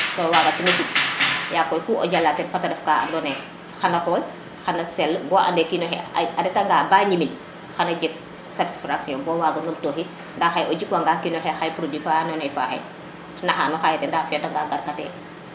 to waga tino sut yakoy ku o jala ten fata ref ka ando naye xana xool xana sell bop ande kino xe a reta nga ba ñimin xana jeg satisfraction bo wago num toxid nda xene o ji wanga xaye o kino xe produit fa ando naye faxe naxa no xaye de nda feta nga gar ka te